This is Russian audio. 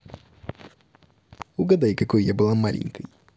угадай какой я была маленькой